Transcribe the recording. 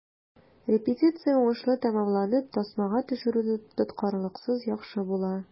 Репетиция уңышлы тәмамланып, тасмага төшерү тоткарлыксыз яхшы була.